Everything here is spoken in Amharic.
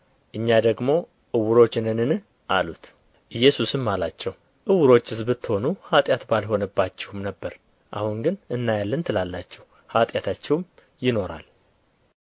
እኛ ደግሞ ዕውሮች ነንን አሉት ኢየሱስም አላቸው ዕውሮችስ ብትሆኑ ኃጢአት ባልሆነባችሁም ነበር አሁን ግን እናያለን ትላላችሁ ኃጢአታችሁ ይኖራል